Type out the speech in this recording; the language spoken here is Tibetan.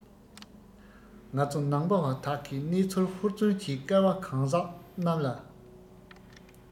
ང ཚོ ནང པ བ དག གིས གནས ཚུལ ཧུར བརྩོན གྱིས སྐལ བ གང ཟག རྣམས ལ